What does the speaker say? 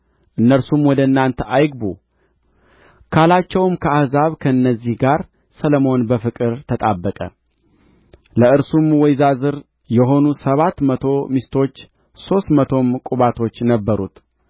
እነርሱም ወደ እናንተ አይግቡ ካላቸው ከአሕዛብ ከእነዚህ ጋር ሰሎሞን በፍቅር ተጣበቀ ለእርሱም ወይዛዝር የሆኑ ሰባት መቶ ሚስቶች ሦስት መቶም ቁባቶች ነበሩት